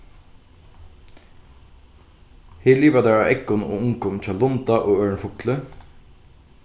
her liva tær av eggum og ungum hjá lunda og øðrum fugli